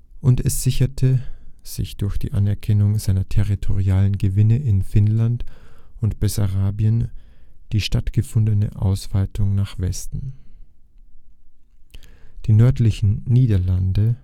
und es sicherte sich durch die Anerkennung seiner territorialen Gewinne in Finnland (1808 / 09) und Bessarabien die stattgefundene Ausweitung nach Westen. Die nördlichen Niederlande